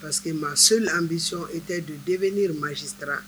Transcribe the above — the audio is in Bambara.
Parceque ma seule ambition était de devenir magistrat